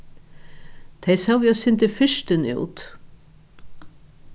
tey sóu eitt sindur firtin út